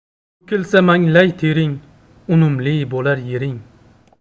to'kilsa manglay tering unumli bo'lar yering